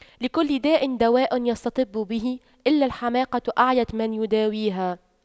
لكل داء دواء يستطب به إلا الحماقة أعيت من يداويها